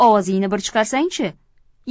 ovozingni bir chiqarsang chi